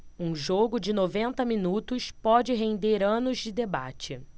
um jogo de noventa minutos pode render anos de debate